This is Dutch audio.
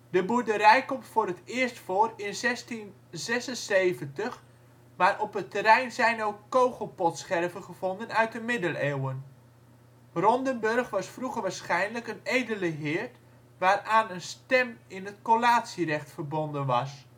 De boerderij komt voor het eerst voor in 1676, maar op het terrein zijn ook kogelpotscherven gevonden uit de middeleeuwen. Rondenburg was vroeger waarschijnlijk een edele heerd, waaraan een stem in het collatierecht verbonden was